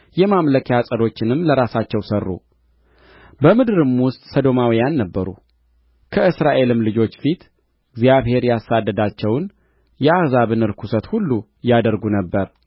የማምለኪያ ዐፀዶችንም ለራሳቸው ሠሩ በምድርም ውስጥ ሰዶማውያን ነበሩ ከእስራኤልም ልጆች ፊት እግዚአብሔር ያሳደዳቸውን የአሕዛብን ርኵሰት ሁሉ ያደርጉ ነበር